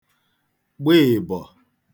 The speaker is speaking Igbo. gba ị̀bọ̀